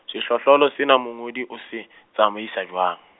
sehlohlolo sena mongodi o se, tsamaisa jwang?